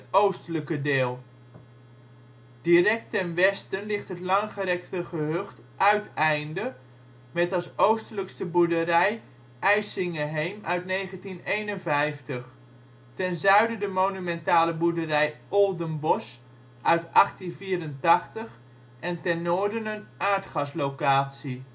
oostelijke deel. Direct ten westen ligt het langgerekte gehucht Uiteinde (met als oostelijkste boerderij Eissingeheem uit 1951), ten zuiden de monumentale boerderij Oldenbosch (1884) en ten noorden een aardgaslocatie